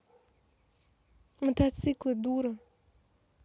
мотоциклы дура